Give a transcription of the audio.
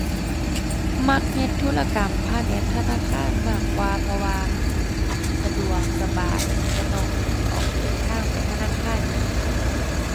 มักเฮ็ดธุรกรรมผ่านแอปธนาคารมากกว่า เพราะว่าสะดวกสบาย บ่ต้องออกเดินทางไปธนาคารเอง